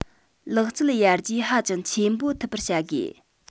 ལག རྩལ ཡར རྒྱས ཧ ཅང ཆེན པོ ཐུབ པར བྱ དགོས